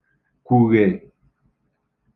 kwùghè